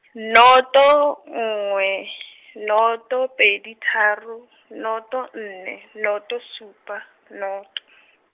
nnoto, nngwe , nnoto pedi tharo, nnoto nne, nnoto supa, nnoto.